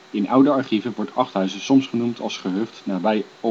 In oude archieven wordt Achthuizen soms genoemd als gehucht nabij